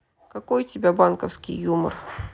такой у тебя банковский юмор